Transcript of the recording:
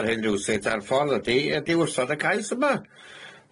ar hyn rywsut a'r ffordd ydi ydi wsod y cais yma.